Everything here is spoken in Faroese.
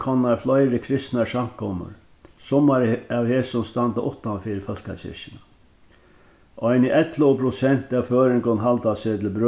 komnar fleiri kristnar samkomur summar av hesum standa uttan fyri fólkakirkjuna eini ellivu prosent av føroyingum halda seg til